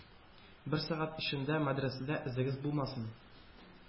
Бер сәгать эчендә мәдрәсәдә эзегез булмасын!